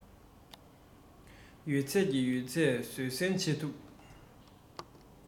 ཡོད ཚད ཀྱི ཡོད ཚད བཟོད བསྲན བྱེད ཐུབ